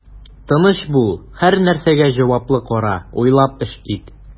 Тыныч бул, һәрнәрсәгә җаваплы кара, уйлап эш ит.